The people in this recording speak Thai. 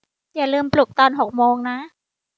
อย่าลืมปลุกตอนหกโมงนะ